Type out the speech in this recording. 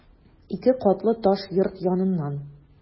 Ике катлы таш йорт яныннан...